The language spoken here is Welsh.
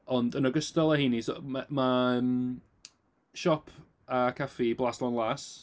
Ond yn ogystal â heini, so ma' mae mm siop a caffi Blas Lôn Las.